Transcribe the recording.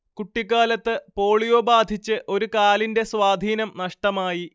കുട്ടിക്കാലത്ത് പോളിയോ ബാധിച്ച് ഒരു കാലിന്റെ സ്വാധീനം നഷ്ടമായി